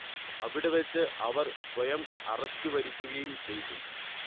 അവിടെ വച്ച് അവർ സ്വയം അറസ്റ്റ് വരിക്കുകയും ചെയ്തു